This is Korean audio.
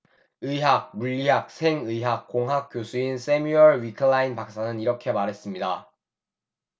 의학 물리학 생의학 공학 교수인 새뮤얼 위클라인 박사는 이렇게 말했습니다